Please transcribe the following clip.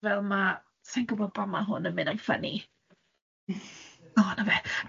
fel ma', sa' i'n gwybod pam ma' hwn yn mynd yn ffyni.